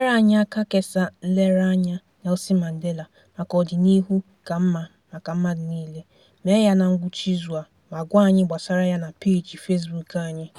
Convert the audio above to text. Nyere anyị aka kesaa nlereanya Nelson Mandela maka ọdịnihu ka mma maka mmadụ niile, mee ya na ngwụcha izu a, ma gwa anyị gbasara ya na peeji Facebook anyị.